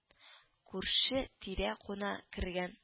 Күрше-тирә куна кергән